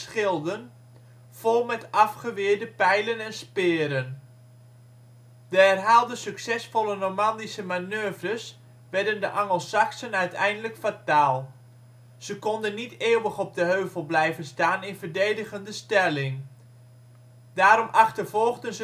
schilden, vol met afgeweerde pijlen en speren. De herhaalde succesvolle Normandische manoeuvres werden de Angelsaksen uiteindelijk fataal. Ze konden niet eeuwig op de heuvel blijven staan in verdedigende stelling. Daarom achtervolgden